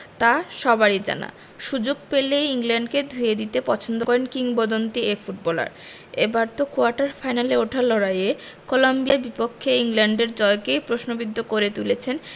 তা সবারই জানা সুযোগ পেলেই ইংল্যান্ডকে ধুয়ে দিতে পছন্দ করেন কিংবদন্তি এ ফুটবলার এবার তো কোয়ার্টার ফাইনালে ওঠার লড়াইয়ে কলম্বিয়ার বিপক্ষে ইংল্যান্ডের জয়কেই প্রশ্নবিদ্ধ করে তুলেছেন